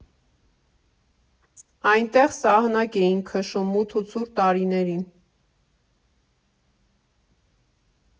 Այնտեղ սահնակ էինք քշում մութ ու ցուրտ տարիներին։